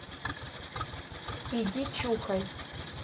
иди чухай